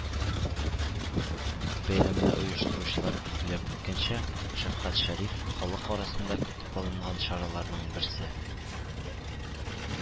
Бәйрәмне оештыручылар билгеләп үткәнчә, “Шәфкать Шәриф” – халык арасында көтеп алынган чараларның берсе